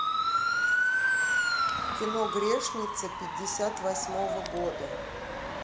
кино грешница пятьдесят восьмого года